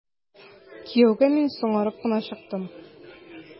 Кияүгә мин соңарып кына чыктым.